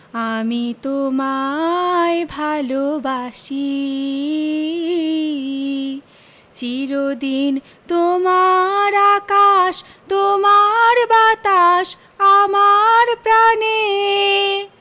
আমি তোমায় ভালোবাসি চির দিন তোমার আকাশ তোমার বাতাস আমার প্রাণে